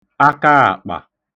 akaàkpà